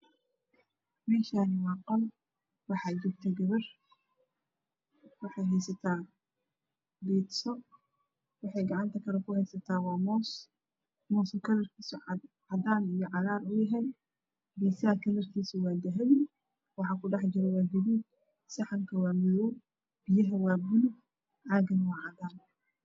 Meeshani waa qol waxa jiftoh gabar waxay haysata biiso waxay gacanta kale ku haysa mus muskakalarkiisa cadaan iyo cagar biisaha kalarkisa waadahabi waxa ku dhaxjiro waa gudood saxanka waa madow biyaha waa bulog caaguna waa cadaan